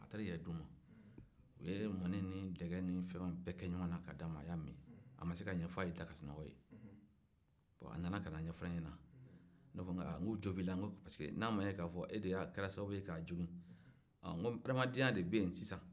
a taar'i yɛrɛ d'u ma yen u ye mɔni ni dɛgɛ ni fɛnw bɛɛ kɛ ɲɔgɔnna ka d'a ma a y'a min a ma se ka ɲɛ f'a y'a da ka sunɔgɔ yen a nana ka na ɲɛfɔ ne ɲɛna ne ko aa u jɔ b'i la pareseke n'a ma ɲɛ ke de kɛra sababu ye k'a jogin aa n ko adamadenya de bɛ yen sisan